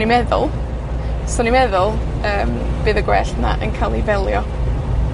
i'n meddwl. 'Swn i'n meddwl yym, bydd y gwellt 'na yn ca'l 'i felio.